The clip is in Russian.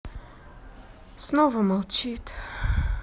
снова молчит